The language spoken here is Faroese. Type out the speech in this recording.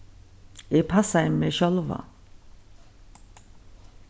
eg passaði meg sjálva